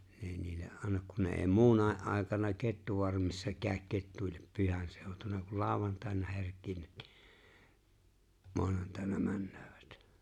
ne ei niille anna kun ne ei muunakin aikana kettufarmissa käy ketuille pyhänseutuna kun lauantaina herkeävät niin maanantaina menevät